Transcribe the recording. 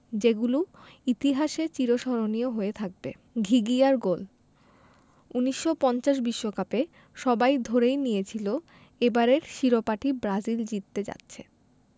যেগুলো ইতিহাসে চিরস্মরণীয় হয়ে থাকবে ঘিঘিয়ার গোল ১৯৫০ বিশ্বকাপে সবাই ধরেই নিয়েছিল এবারের শিরোপাটি ব্রাজিল জিততে যাচ্ছে